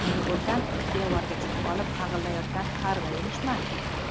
men bo'lsam devorga chiqib olib qag'illayotgan qarg'a emishman